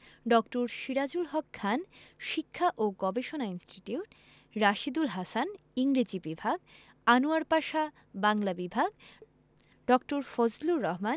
ড. সিরাজুল হক খান শিক্ষা ও গবেষণা ইনস্টিটিউট রাশীদুল হাসান ইংরেজি বিভাগ আনোয়ার পাশা বাংলা বিভাগ ড. ফজলুর রহমান